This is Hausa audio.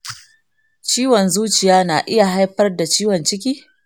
ciwon zuciya na iya haifar da ciwon ciki?